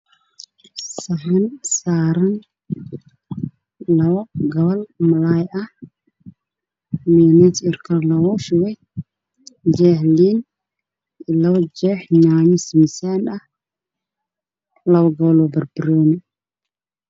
Meeshaan waxaa iga muuqda saxan saaran laba gabal oo malaay ah